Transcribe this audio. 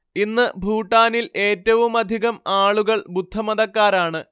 ഇന്ന് ഭൂട്ടാനിൽ ഏറ്റവുമധികം ആളുകൾ ബുദ്ധമതക്കാരാണ്